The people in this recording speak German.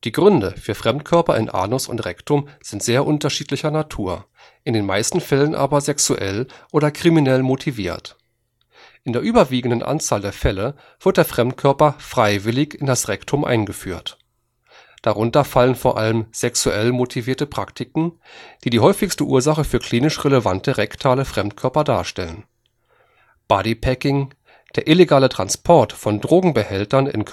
Gründe für Fremdkörper in Anus und Rektum sind sehr unterschiedlicher Natur, in den meisten Fällen aber sexuell oder kriminell motiviert. In der überwiegenden Anzahl der Fälle wird der Fremdkörper freiwillig in das Rektum eingeführt. Darunter fallen vor allem sexuell motivierte Praktiken, die die häufigste Ursache für klinisch relevante rektale Fremdkörper darstellen. Bodypacking, der illegale Transport von Drogenbehältern in